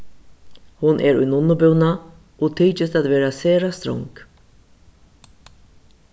hon er í nunnubúna og tykist at vera sera strong